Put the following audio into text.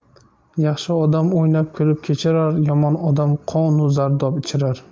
yaxshi odam o'ynab kuhb kecbirar yomon odam qon u zardob ichirar